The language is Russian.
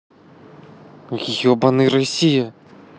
ебаный россия